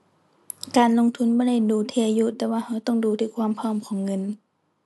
การลงทุนบ่ได้ดูที่อายุ แต่ว่าเราต้องดูที่ความพร้อมของเงิน